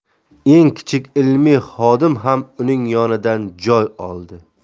eng kichik ilmiy xodim ham uning yonidan joy oldi